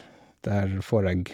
Der får jeg...